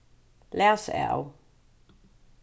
læs av